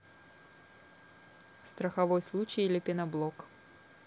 страховой случай или пеноблок